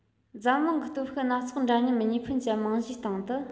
འཛམ གླིང གི སྟོབས ཤུགས སྣ ཚོགས འདྲ མཉམ གཉིས ཕན གྱི རྨང གཞིའི སྟེང དུ